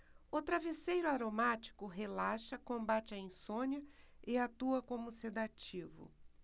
o travesseiro aromático relaxa combate a insônia e atua como sedativo